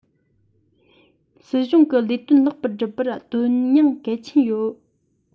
སྲིད གཞུང གི ལས དོན ལེགས པར སྒྲུབ པར དོན སྙིང གལ ཆེན ཡོད